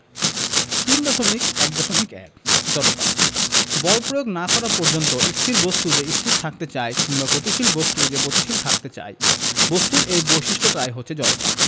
3.1.1 জড়তা বল প্রয়োগ না করা পর্যন্ত স্থির বস্তু যে স্থির থাকতে চায় কিংবা গতিশীল বস্তু যে গতিশীল থাকতে চায় বস্তুর এই বৈশিষ্ট্যটাই হচ্ছে জড়তা